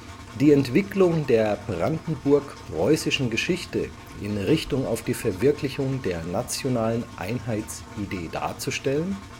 die Entwicklung der brandenburg-preußischen Geschichte in Richtung auf die Verwirklichung der nationalen Einheitsidee darzustellen